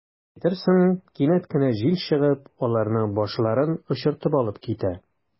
Әйтерсең, кинәт кенә җил чыгып, аларның “башларын” очыртып алып китә.